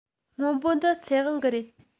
སྔོན པོ འདི ཚེ དབང གི རེད